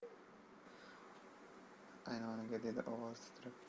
aynoniya dedi ovozi titrab